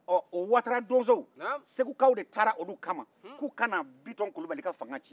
ɔɔ o wattara donsow segu kaw de taara olu kama k'u kana bitɔn kulubalu ka fanga tiɲa